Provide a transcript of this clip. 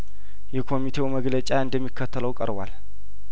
የኮሚቴው መግለጫ እንደሚከተለው ቀርቧል